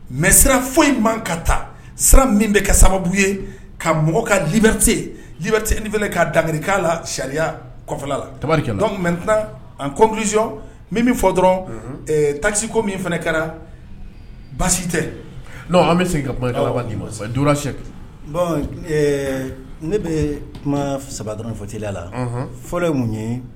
Mɛ sira foyi in man ka ta sira min bɛ ka sababu ye ka mɔgɔ ka lite li ne fana ka dari la sariyayafɛ la tarikɛ mɛ tɛna an kosɔn min bɛ fɔ dɔrɔn takisiko min fana kɛra baasi tɛ an bɛ ka kuma ma sɛ bɔn ɛɛ ne bɛ kuma saba dɔrɔn fɔtila la fɔlɔ ye mun ye